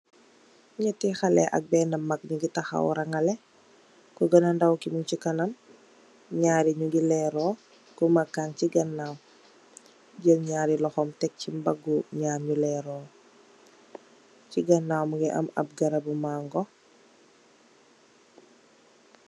Ñetti xalèh ak benna mak ñi ngi taxaw ragaleh ku genna ndaw ki mugii kanam, ñaari yi ñu ngi leeró , ku mak kan ci ganaw jél ñaari loxo tek ci mbagu ñaar ñu leeró.